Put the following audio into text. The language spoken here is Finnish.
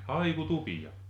haikutupia